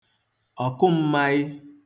ọ̀kụ m̄māị̄